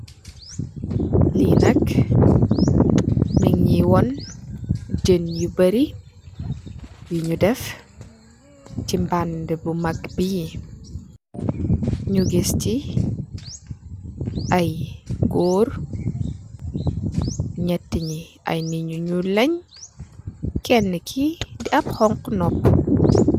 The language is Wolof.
Li nak mung nyu woon jeen yu bari yu nyu def si mbanda bu maag bi nyu giss si ay goor neeti nyi ay nitt yu nuul len kena ki ap xonxu nopu.